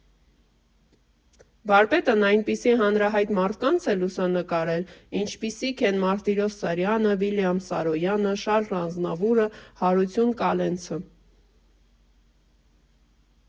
Վարպետն այնպիսի հանրահայտ մարդկանց է լուսանկարել, ինչպիսիք են Մարտիրոս Սարյանը, Վիլյամ Սարոյանը, Շառլ Ազնավուրը, Հարություն Կալենցը։